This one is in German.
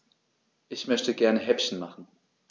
Ich möchte gerne Häppchen machen.